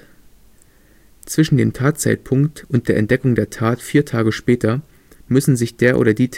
Zwischen dem Tatzeitpunkt und der Entdeckung der Tat vier Tage später müssen sich der oder die